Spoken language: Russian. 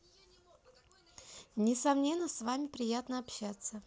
несомненно с вами приятно общаться